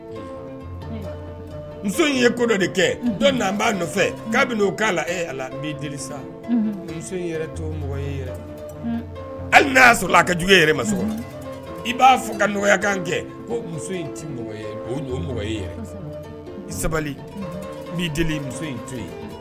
Muso in ye ko dɔ de kɛ b'a nɔfɛ k'a muso mɔgɔ halia sɔrɔ a ka jugu yɛrɛ ma i b'a fɔ ka nɔgɔyakan kɛ muso mɔgɔ mɔgɔ sabali n muso to ye